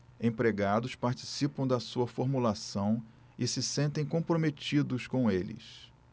empregados participam da sua formulação e se sentem comprometidos com eles